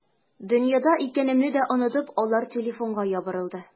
Дөньяда икәнемне дә онытып, алар телефонга ябырылды.